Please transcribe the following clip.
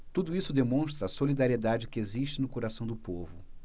tudo isso demonstra a solidariedade que existe no coração do povo